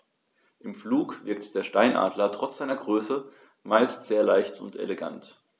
Im Flug wirkt der Steinadler trotz seiner Größe meist sehr leicht und elegant.